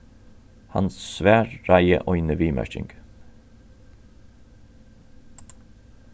hann svaraði eini viðmerking